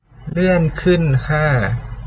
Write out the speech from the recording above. เลื่อนขึ้นห้า